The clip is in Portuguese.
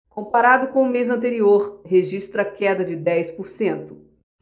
comparado com o mês anterior registra queda de dez por cento